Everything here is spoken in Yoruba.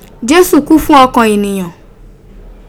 Jesu ku fun okan eniyan.